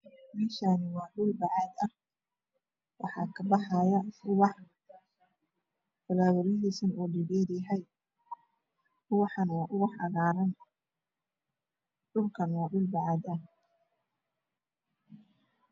Meshan wa dhul bacad ah waxa kabaxayo ubax tala ladisa dhe dher yaahy ubaxan wa ubax cagaran dhulkana wa dhul bacad ah